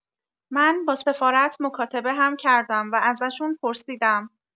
من با سفارت مکاتبه هم کردم و ازشون پرسیدم.